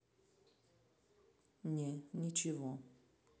не ничего